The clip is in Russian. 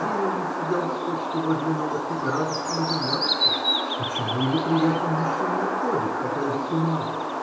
Зилли сидел на кочке возле Норти и радостно удивлялся, почему его приятель еще не уходит, хотя уже темно.